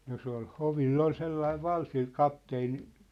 no se oli hovilla oli sellainen - sillä kapteeni